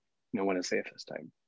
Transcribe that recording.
Not when it's their first time.